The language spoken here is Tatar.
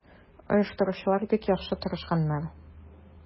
Оештыручылар бик яхшы тырышканнар.